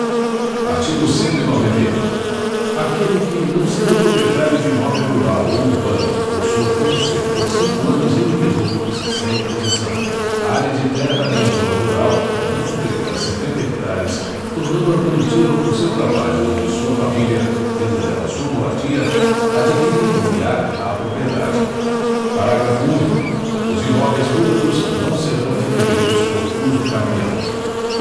artigo cento e noventa e um aquele que não sendo proprietário de imóvel rural ou urbano possua como seu por cinco anos ininterruptos sem oposição área de terra em zona rural não superior a cinqüenta hectares tornando a produtiva por seu trabalho ou de sua família tendo nela sua moradia adquirir lhe á a propriedade parágrafo único os imóveis públicos não serão adquiridos por uso capião